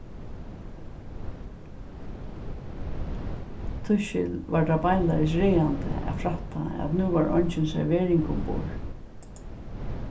tískil var tað beinleiðis ræðandi at frætta at nú var eingin servering umborð